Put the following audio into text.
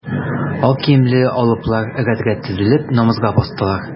Ак киемле алыплар рәт-рәт тезелеп, намазга бастылар.